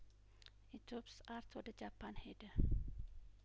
ኢትዮፕስ አርት ወደ ጃፓን ሄደ